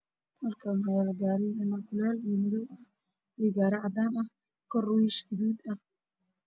Halkaan waxaa yaalo gaari ah nacnackuleel iyo madow ah, iyo gaari cadaan ah, kurna waa wiish gaduud ah.